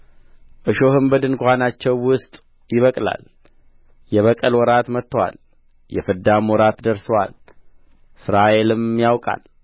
እሾህም በድንኳኖቻቸው ውስጥ ይበቅላል የበቀል ወራት መጥቶአል የፍዳም ወራት ደርሶአል እስራኤልም ያውቃል